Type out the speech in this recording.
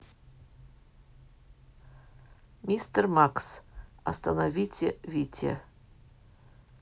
мистер макс остановите вите